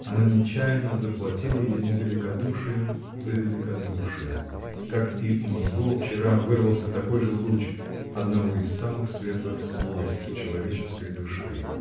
Она нечаянно заплатила ему великодушием за великодушие, как и у него вчера вырвался такой же луч одного из самых светлых свойств человеческой души.